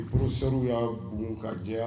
I sa'a ka jɛ